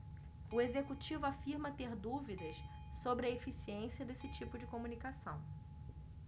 o executivo afirma ter dúvidas sobre a eficiência desse tipo de comunicação